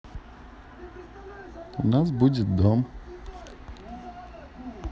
у нас будет дом